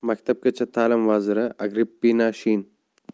maktabgacha ta'lim vaziri agrippina shin